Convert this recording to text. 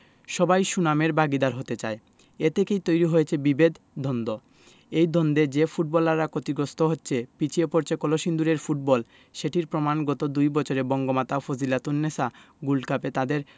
সবাই সুনামের ভাগীদার হতে চায় এ থেকেই তৈরি হয়েছে বিভেদ দ্বন্দ্ব এই দ্বন্দ্বে যে ফুটবলাররা ক্ষতিগ্রস্ত হচ্ছে পিছিয়ে পড়ছে কলসিন্দুরের ফুটবল সেটির প্রমাণ গত দুই বছরে বঙ্গমাতা ফজিলাতুন্নেছা গোল্ড কাপে তাদের